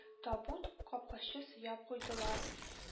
Табут капкачы сөяп куйдылар